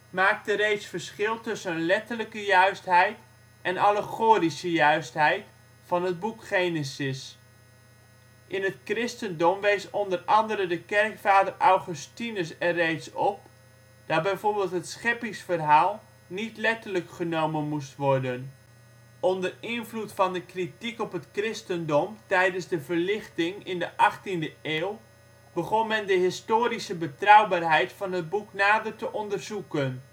maakte reeds verschil tussen " letterlijke juistheid " en " allegorische juistheid " van het boek Genesis. In het christendom wees onder andere de kerkvader Augustinus er reeds op, dat bijvoorbeeld het scheppingsverhaal niet letterlijk genomen moest worden. Onder invloed van de Kritiek op het christendom tijdens De verlichting in de 18e eeuw begon men de historische betrouwbaarheid van het boek nader te onderzoeken